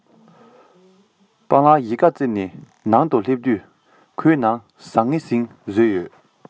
སྤང ལགས གཞིས ཁ རྩེ ནས ནང དུ སླེབས དུས ཁོའི ནང ཟང ངེ ཟིང བཟོས ཡོད